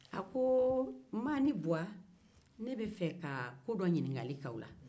ko ma ni buwa ne bɛ fɛ ka ko dɔ suda aw la